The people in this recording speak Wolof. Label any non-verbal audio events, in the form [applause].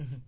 [hesitation] [hesitation]